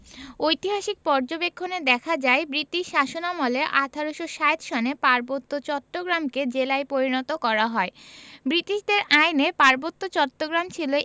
ঐতিহাসিক পর্যবেক্ষনে দেখা যায় বৃটিশ শাসনামলে ১৮৬০ সনে পার্বত্য চট্টগ্রামকে জেলায় পরিণত করা হয় বৃটিশদের আইনে পার্বত্য চট্টগ্রাম ছিল